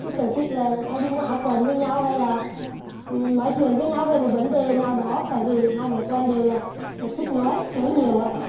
cái sở thích là hay đi mua áo quần với nhau hay là nói chuyện với nhau về một vấn đề nào đó tại vì hai mẹ con đều là thích nói nói nhiều á